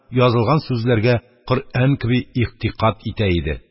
Язылган сүзләргә коръән кеби игътикад итә иде